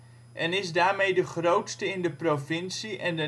en is daarmee de grootste in de provincie en